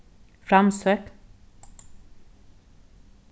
framsókn